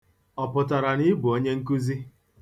Ọ pụtara na ̣ị bụ onye nkụzi?